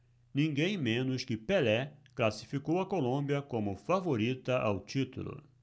ninguém menos que pelé classificou a colômbia como favorita ao título